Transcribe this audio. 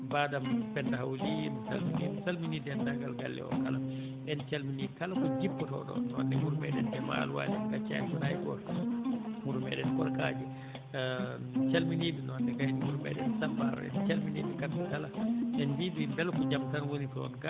baaɗam Penda Hawly en calminii mo en calminii denndaangal galle o kala en calminii kala ko jippotoo ɗon ɗon e wuro meeɗen mo Demba Halwalni en ngaccaani toon hay gooto wuro meɗen Korkaƴe calminii ɓe noon ne kadi wuro meeɗen Samba * calminii ɓe kamɓe kala en mbiyii ɓe mbela ko jam tan woni toon